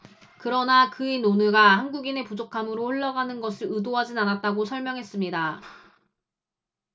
그러나 그 논의가 한국인의 부족함으로 흘러가는 것을 의도하진 않았다고 설명했습니다